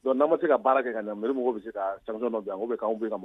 Don n'an ma se ka baara kɛ ka na m mɔgɔ bɛ se ka sanu bin ma